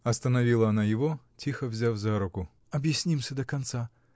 — остановила она его тихо, взяв за руку. — Объяснимся до конца.